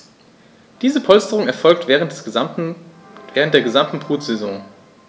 Diese Polsterung erfolgt während der gesamten Brutsaison.